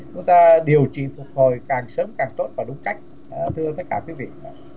chúng ta điều trị phục hồi càng sớm càng tốt và đúng cách thưa tất cả quý vị